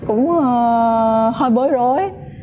cũng a hơi bối rối